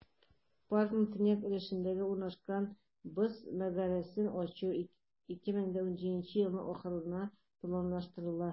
Паркның төньяк өлешендә урнашкан "Боз мәгарәсен" ачу 2017 елның ахырына планлаштырыла.